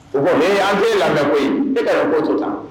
O bon ne' den lamɛn koyi ye e ka bɔso la